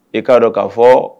E k'a dɔn k kaa fɔ